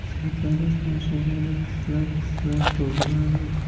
sartarosh mashinani puflab puflab tozalardi